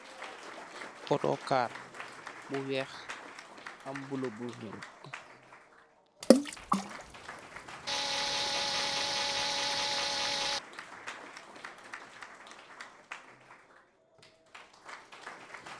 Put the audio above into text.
Potoo kawar, bu weekh, am buleuh bu nyorut.